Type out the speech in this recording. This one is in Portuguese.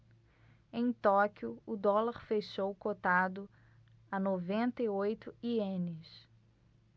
em tóquio o dólar fechou cotado a noventa e oito ienes